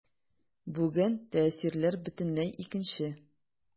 Бүген тәэсирләр бөтенләй икенче.